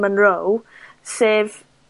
Menroe, sef